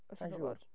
Sa i'n siŵr.